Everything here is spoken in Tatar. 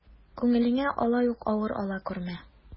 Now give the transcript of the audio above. Күңелеңә алай ук авыр ала күрмә.